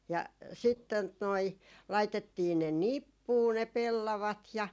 ja sitten tuota noin laitettiin ne nippuun ne pellavat ja